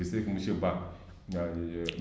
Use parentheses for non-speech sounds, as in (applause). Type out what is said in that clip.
je sais que monsieur Ba (hesitation)